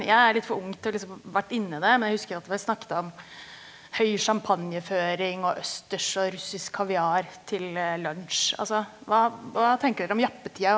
jeg er litt for ung til å liksom vært inni det, men jeg husker jo at vi snakket om høy sjampanjeføring og østers og russisk kaviar til lunsj, altså hva hva tenker dere om jappetida?